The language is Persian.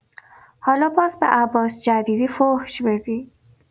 حالا باز به عباس جدیدی فحش بدین.